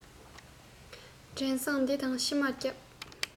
བྲན བཟང འདི དང ཕྱི མར བསྐྱབས